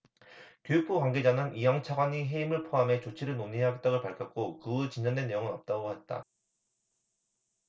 교육부 관계자는 이영 차관이 해임을 포함해 조치를 논의하겠다고 밝혔고 그 후 진전된 내용은 없다고 했다